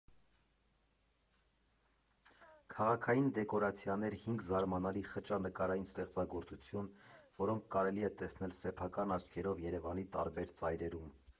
Քաղաքային դեկորացիաներ Հինգ զարմանալի խճանկարային ստեղծագործություն, որոնք կարելի է տեսնել սեփական աչքերով Երևանի տարբեր ծայրերում։